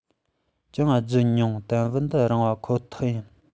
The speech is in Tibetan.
ཀྱང བརྒྱུད མྱོང དུམ བུ འདི རང པ ཁོ ཐག རེད